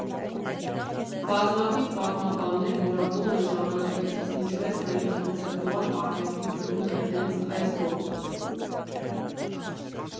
Բազմաթիվ պատմաբաններ որակում են ժամանակակից, ինչպես նաև կոնցեպտուալ արվեստի ծնունդը հենց այս գործով։